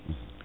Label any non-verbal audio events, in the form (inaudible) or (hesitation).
(hesitation) (hesitation)